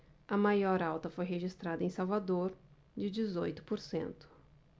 a maior alta foi registrada em salvador de dezoito por cento